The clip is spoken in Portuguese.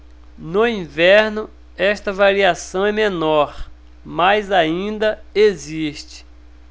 no inverno esta variação é menor mas ainda existe